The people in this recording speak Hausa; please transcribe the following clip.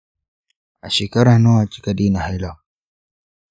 a shekara nawa kika daina haila?